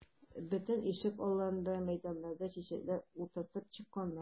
Бөтен ишек алларына, мәйданнарга чәчәкләр утыртып чыкканнар.